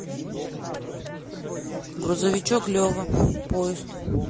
грузовичок лева поезд